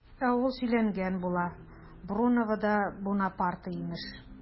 Ә ул сөйләнгән була, Бруновода Бунапарте имеш!